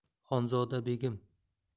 xonzoda begim